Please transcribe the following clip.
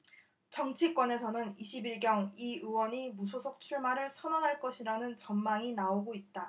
정치권에서는 이십 일 경 이 의원이 무소속 출마를 선언할 것이라는 전망이 나오고 있다